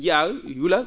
njiyaa yula